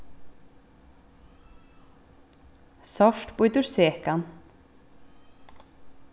sárt bítur sekan